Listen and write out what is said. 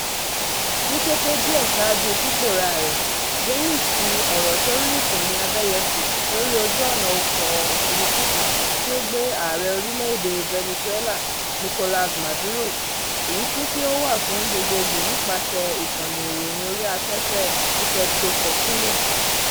Ní kété díẹ̀ ṣáájú pípòórá rẹ̀, Jaimes fi ọ̀rọ̀ sórí ìkànnì abẹ́yẹfò lórí ojú ọ̀nà ọkọ̀ òfurufú kan tí ó ń gbé Ààrẹ orílẹ̀ èdè Venezuela Nicolas Maduro, ìwífún tí ó wà fún gbogbogbò nípasẹ̀ ìkànnì ìròyìn orí afẹ́fẹ́ Efecto Cocuyo.